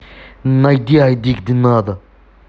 найди аиды где надо